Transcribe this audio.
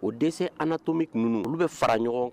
O dɛsɛ an nato minun olu bɛ fara ɲɔgɔn